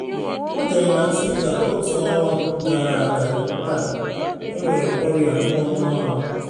Ọ dere na Twitter: “Otu ọnwa gara aga taa enwere m ọrịa mkpọnwụ ahụ.